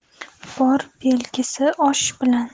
bor belgisi osh bilan